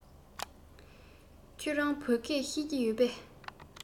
ཁྱེད རང བོད སྐད ཤེས ཀྱི ཡོད པས